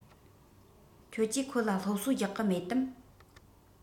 ཁྱོད ཀྱིས ཁོ ལ སློབ གསོ རྒྱག གི མེད དམ